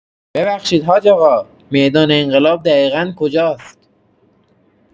ببخشید حاج‌آقا، میدان انقلاب دقیقا کجاست؟